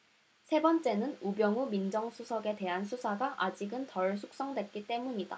세 번째는 우병우 민정수석에 대한 수사가 아직은 덜 숙성됐기 때문이다